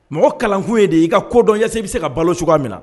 Mɔgɔ kalankun ye de y' ka kodɔn ya se i' bɛ se ka balo cogoya minɛ